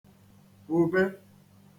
-wùbe